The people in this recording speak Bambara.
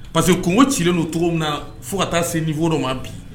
Parce que kunko cilen don togo min naa fo ka taa se niveau dɔ ma bi